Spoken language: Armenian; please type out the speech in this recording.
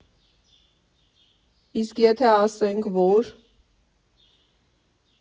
Իսկ եթե ասենք, որ…